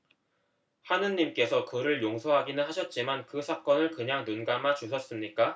하느님께서 그를 용서하기는 하셨지만 그 사건을 그냥 눈감아 주셨습니까